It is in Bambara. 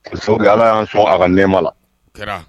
Muso ala y'an sɔn a ka nɛma la